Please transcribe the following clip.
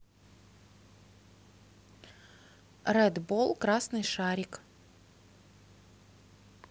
ред бол красный шарик